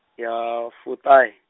ya, fuṱahe.